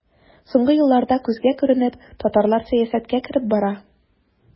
Соңгы елларда күзгә күренеп татарлар сәясәткә кереп бара.